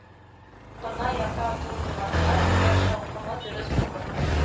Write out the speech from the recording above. Гына ята бу диванда… «сурәт шаукымы» дөрес булып